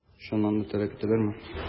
Чыннан да таләп итәләрме?